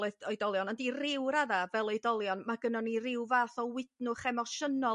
o'dd oedolion ond i ryw radda' fel oedolion ma' gyno ni ryw fath o wydnwch emosiynol